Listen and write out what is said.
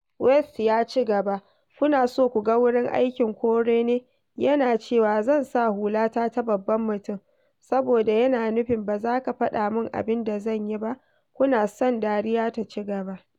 West ya ci gaba: Kuna so ku ga wurin aikin kore ne? yana cewa "zan sa hulata ta babban mutum, saboda yana nufin ba za ka faɗa mun abin da zan yi ba. Kuna son duniya ta ci gaba?